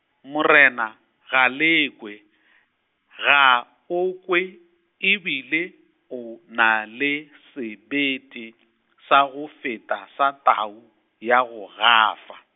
morena, Galekwe, ga o kwe, e bile o na le sebete , sa go feta sa tau, ya go gafa.